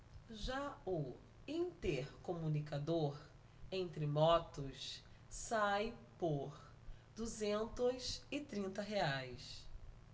já o intercomunicador entre motos sai por duzentos e trinta reais